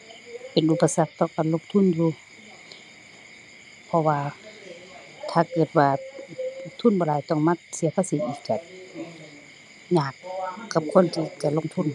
เป็นอุปสรรคต่อการลงทุนอยู่ เพราะว่าถ้าเกิดว่าทุนบ่หลายต้องมาเสียภาษีอีกก็ยากกับคนที่จะลงทุน